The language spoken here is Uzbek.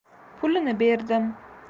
pulini berdim